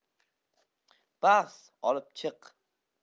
bas olib chiq